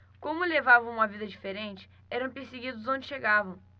como levavam uma vida diferente eram perseguidos onde chegavam